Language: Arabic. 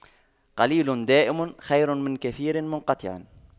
قليل دائم خير من كثير منقطع